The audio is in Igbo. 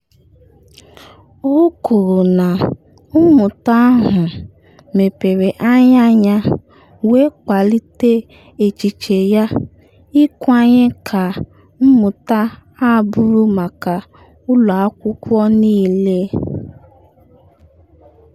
O kwuru na mmụta ahụ mepere anya ya wee kpalite echiche ya ịkwanye ka mmụta a bụrụ maka ụlọ akwụkwọ niile.